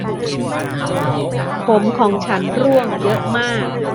ผมของฉันร่วงเยอะมาก